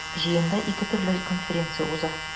Җыенда ике төрле конференция уза.